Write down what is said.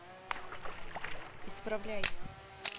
исправляй